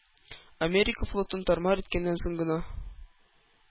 Америка флотын тар-мар иткәннән соң гына